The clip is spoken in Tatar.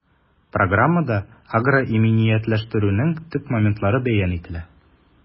Программада агроиминиятләштерүнең төп моментлары бәян ителә.